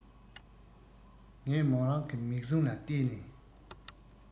ངས མོ རང གི མིག གཟུངས ལ ལྟས ནས